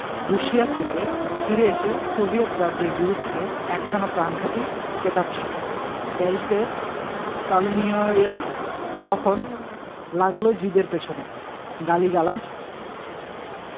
রুশিয়া থেকে ফিরে এসে সোভিয়েট রাজ্যের বিরুদ্ধে একখানা প্রাণঘাতী কেতাব ছাড়েন প্যারিসের স্তালিনীয়রা তখন লাগল জিদের পেছনে গালিগালাজ